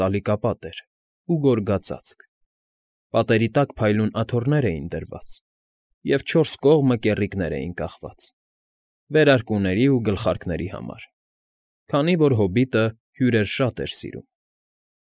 Սալիկապատ էր ու գորգածածկ, պատերի տակ փայլուն աթոռներ էին դրված և չորս կողմը կեռիկներ էին կախված՝ վերարկուների ու գլխարկների համար, քանի որ հոբիտը հյուրեր շատ էր սիրում։